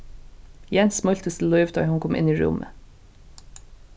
jens smíltist til lív tá ið hon kom inn í rúmið